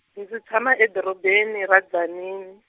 ndzi tshama edorobeni ra Tzaneen.